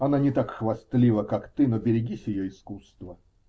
Она не так хвастлива, как ты, но берегись ее искусства!